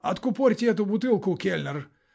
Откупорьте эту бутылку, кельнер!